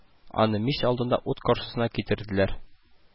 Аны мич алдына ут каршысына китерделәр